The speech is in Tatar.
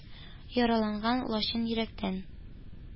Яраланган лачын йөрәктән.